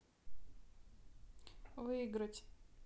выиграть